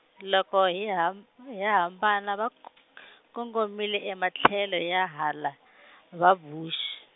loko hi ham- hi hambana va k- , kongomile ematlhelo ya hala , vaBuxi.